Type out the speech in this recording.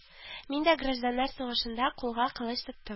Мин дә гражданнар сугышында кулга кылыч тоттым